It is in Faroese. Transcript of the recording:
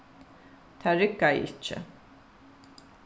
tað riggaði ikki